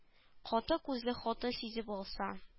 Каты күзле хатын сизеп алса